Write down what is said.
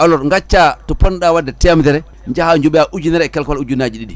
alors gacca to ponnoɗa wadde temedere jaaha jooɓoya ujunere e quelque walla ujunnaje ɗiɗi